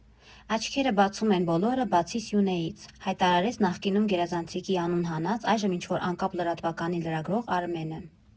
֊ Աչքերը բացում են բոլորը, բացի Սյունեից, ֊ հայտարարեց նախկինում գերազանցիկի անուն հանած, այժմ ինչ֊որ անկապ լրատվականի լրագրող Արմենը։